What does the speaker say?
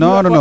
non non